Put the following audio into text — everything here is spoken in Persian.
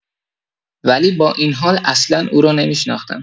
ولی با این حال اصلا او را نمی‌شناختم.